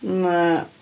Na.